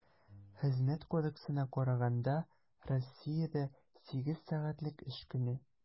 Хезмәт кодексына караганда, Россиядә сигез сәгатьлек эш көне.